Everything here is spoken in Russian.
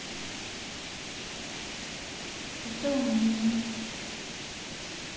а ты умеешь